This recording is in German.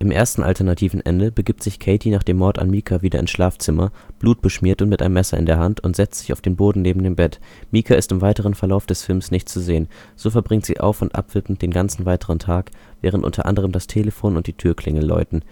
ersten alternativen Ende begibt sich Katie nach dem Mord an Micah wieder ins Schlafzimmer, blutbeschmiert und mit einem Messer in der Hand, und setzt sich auf den Boden neben dem Bett. Micah ist im weiteren Verlauf des Films nicht zu sehen. So verbringt sie auf - und abwippend den ganzen weiteren Tag, während unter anderem das Telefon und die Türklingel läuten